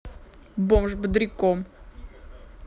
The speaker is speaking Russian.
бомж добряком